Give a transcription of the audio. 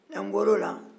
n'an bɔr'o la